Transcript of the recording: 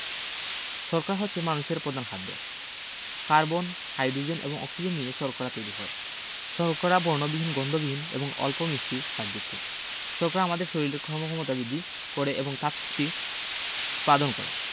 শর্করা হচ্ছে মানুষের প্রধান খাদ্য কার্বন হাইডোজেন এবং অক্সিজেন নিয়ে শর্করা তৈরি হয় শর্করা বর্ণহীন গন্ধহীন এবং অল্প মিষ্টি স্বাদযুক্ত শর্করা আমাদের শরীরে কর্মক্ষমতা বৃদ্ধি করে এবং তাপশক্তি উৎপাদন করে